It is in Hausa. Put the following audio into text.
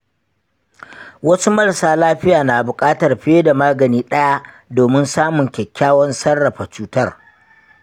wasu marasa lafiya na buƙatar fiye da magani ɗaya domin samun kyakkyawan sarrafa cutar.